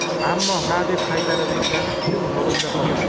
ammo hadeb qaytaravergani uchun yodimda qolgan